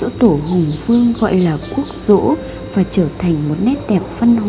giỗ tổ hùng vương gọi là quốc giỗ và trở thành một nét đẹp văn hóa